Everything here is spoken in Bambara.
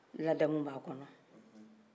ladamu b'a kɔnɔ